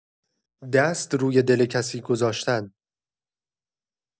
دست روی دل کسی گذاشتن